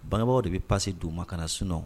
Bangebagaw de bi passe du ma ka na sinon